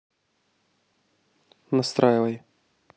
настраивай